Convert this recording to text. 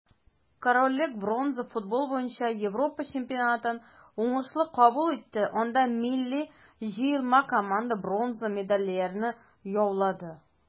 Корольлек бронза футбол буенча Европа чемпионатын уңышлы кабул итте, анда милли җыелма команда бронза медальләрне яулады.